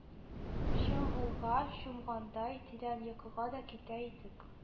Чоңгылга чумгандай, тирән йокыга да китә идек